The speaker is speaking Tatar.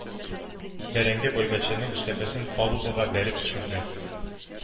Бәрәңге байбәтчәнең эшләпәсен палубага бәреп төшерде.